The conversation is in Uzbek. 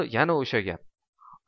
yana o'sha gap